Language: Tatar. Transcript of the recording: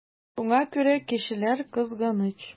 Шуңа күрә кешеләр кызганыч.